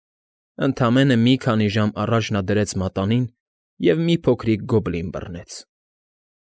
Ընդամենը մի քանի ժամ առաջ նա դրեց մատանին և մի փոքրիկ գոբլին բռնեց։